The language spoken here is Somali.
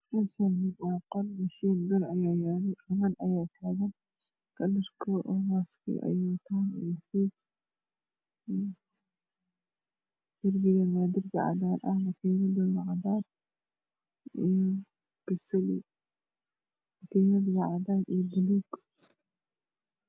Meeshani waa qol mashiin ayaalo gabadh ayaa taagan darbigan waa darbi cadaana